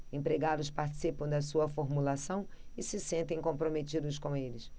empregados participam da sua formulação e se sentem comprometidos com eles